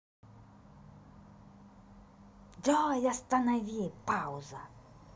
джой останови пауза